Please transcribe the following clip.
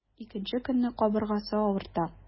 Икенче көнне кабыргасы авырта.